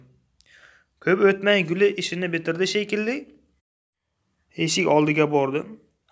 ko'p o'tmay guli ishini bitirdi shekilli eshik oldiga bordi